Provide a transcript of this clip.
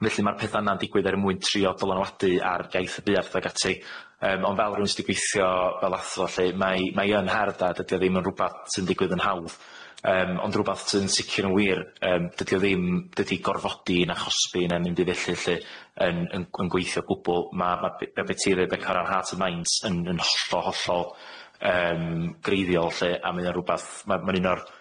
felly ma'r petha yna'n digwydd er mwyn trio dylanwadu ar iaith y buarth ag ati yym ond fel rywun sy'di gwithio fel athro lly mae ma'i yn her a dydi o ddim yn rwbath sy'n digwydd yn hawdd yym ond rwbath sy'n sicir yn wir yym dydi o ddim dydi gorfodi na chosbi na ddim byd felly lly yn yn g- yn gweithio gwbwl ma' ma' b- yy be ti'n ddeud Beca yr hearts and minds yn yn hollol hollol yym greiddiol lly a mae o'n rwbath ma' ma'n un o'r